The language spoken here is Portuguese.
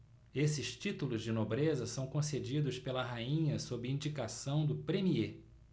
esses títulos de nobreza são concedidos pela rainha sob indicação do premiê